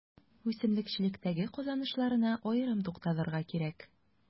Үсемлекчелектәге казанышларына аерым тукталырга кирәк.